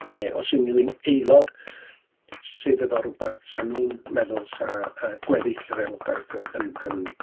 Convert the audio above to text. Neu os unrhyw un... aelod sydd efo rwbath 'sa nhw'n meddwl 'sa yy gweddill yr aelodaeth yn yn yn...